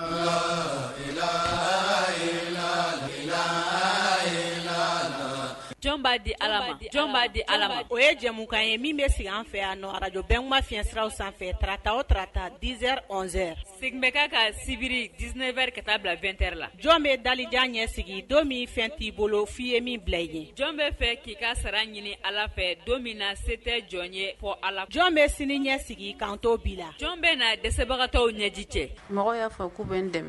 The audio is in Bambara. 'a di'a di ala o ye jamumukan ye min bɛ sigi an fɛ a araj bɛɛ ma fisiraw sanfɛ tata o tata dizz segin bɛ ka ka sibiri d7 wɛrɛri ka taa bila2t la jɔn bɛ dajan ɲɛsigi don min fɛn t'i bolo f'i ye min bila i ye jɔn bɛ fɛ k'i ka sara ɲini ala fɛ don min na se tɛ jɔn ye fɔ a jɔn bɛ sini ɲɛ sigi kan bi la jɔn bɛ na dɛsɛbagatɔ ɲɛji cɛ mɔgɔ y'a